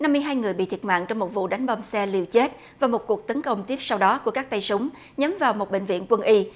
năm mươi hai người bị thiệt mạng trong một vụ đánh bom xe liều chết và một cuộc tấn công tiếp sau đó của các tay súng nhắm vào một bệnh viện quân y